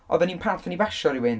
Oedden ni, pan wnaethon ni basio rhywun...